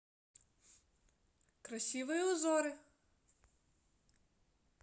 красивые узоры